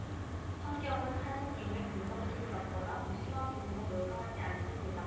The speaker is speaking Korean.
성경은 하느님을 동정심이 없거나 무심한 분으로 묘사하지 않습니다